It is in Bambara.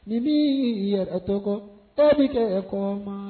Nii yɛrɛtɔ kɔ i bɛ kɛ ko ma